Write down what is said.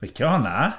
Licio honna!